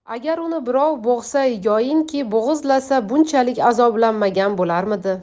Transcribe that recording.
agar uni birov bo'g'sa yoinki bo'g'izlasa bunchalik azoblanmagan bo'larmidi